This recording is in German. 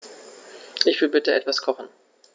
Ich will bitte etwas kochen.